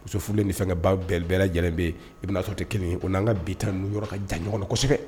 Muso furulen ni sanba bɛɛ bɛɛ lajɛlen bɛ i bɛna sɔrɔ tɛ kelen o n' ka bi taa n' yɔrɔ ka jan ɲɔgɔn na kosɛbɛ